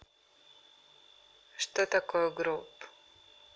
что такое group